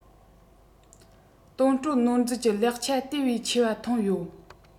གཏོང སྤྲོད ནོར མཛོད ཀྱི ལེགས ཆ དེ བས ཆེ བ ཐོན ཡོད